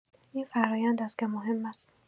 این فرایند است که مهم است.